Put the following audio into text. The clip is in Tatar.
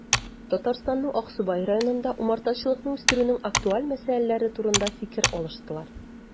Татарстанның Аксубай районында умартачылыкны үстерүнең актуаль мәсьәләләре турында фикер алыштылар